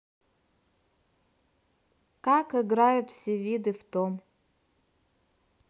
как играют все виды в том